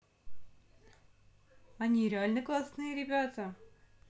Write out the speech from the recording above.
они реально классные ребята